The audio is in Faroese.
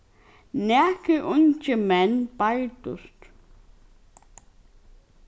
nakrir ungir menn bardust